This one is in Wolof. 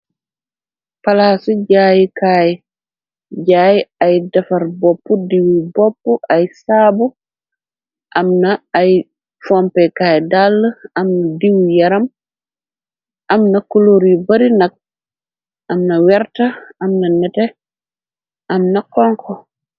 Palaasu jaayikaay jaay ay defar bopp diwu bopp ay saabu amna ay fompekaay dàll amna dinu yaram amna kuluur yu bari nag amna werta amna nete amna xonko.